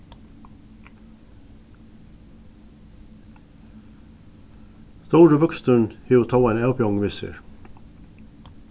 stóri vøksturin hevur tó eina avbjóðing við sær